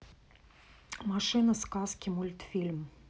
машины сказки мультфильм